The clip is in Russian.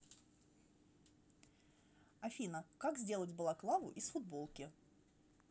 афина как сделать балаклаву из футболки